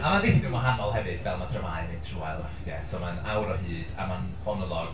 A mae o dipyn yn wahanol hefyd, fel mae dramau'n mynd trwy ail ddrafftiau, so mae'n awr o hyd a mae'n fonolog.